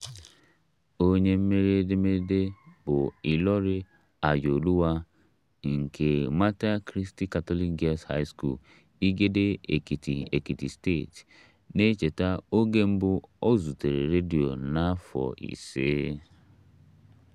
Onye mmeri edemede bụ Ìlọ̀rí Ayọ̀olúwa nke Mater Christi Catholic Girls' High School, Igede Èkìtì, Èkìtì State, na-echeta oge mbụ o zutere redio na afọ 5: